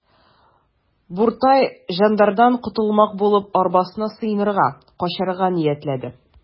Буртай жандардан котылмак булып, арбасына сыенырга, качарга ниятләде.